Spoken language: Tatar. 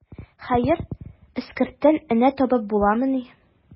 Хәер, эскерттән энә табып буламыни.